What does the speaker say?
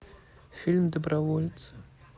фильм добровольцы